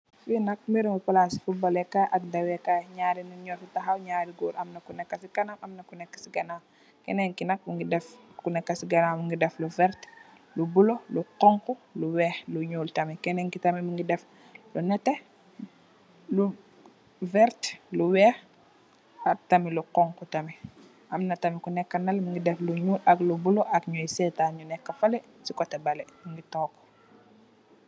Fiinak mbiram palasi footballer kayy la ak dawekay la nyari nyarri nit nyofi taxaw nyari gorr amna kunekasi ganaw amna kuneka si kanam kenen ki nak mungi deff kuneka si ganaw mungi deff lu vertt lu bulo lu xonxu lu wekh lu nyul tamit kenakii tamit mungi deff lu netteh lu vert lu wekh ak tamit lu xonxu tamit amna tamit ku neka neleh mungi deff lu nyul ak lu bula ak ñuy setan ñu neka faleh si koteh baleh ñungi tok.